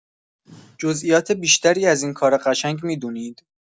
جزئیات بیشتری از این کار قشنگ می‌دونید؟